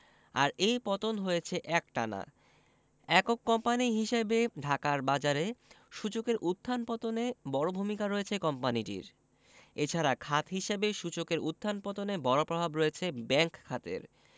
আর এ পতন হয়েছে একটানা একক কোম্পানি হিসেবে ঢাকার বাজারে সূচকের উত্থান পতনে বড় ভূমিকা রয়েছে কোম্পানিটির এ ছাড়া খাত হিসেবে সূচকের উত্থান পতনে বড় প্রভাব রয়েছে ব্যাংক খাতের